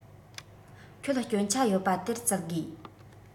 ཁྱོད སྐྱོན ཆ ཡོད པ དེར བཙལ དགོས